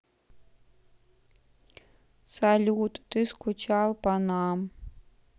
салют ты скучал по нам